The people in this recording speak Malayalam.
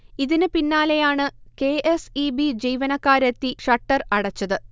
ഇതിന് പിന്നാലെയാണ് കെ. എസ്. ഇ. ബി. ജീവനക്കാരെത്തി ഷട്ടർ അടച്ചത്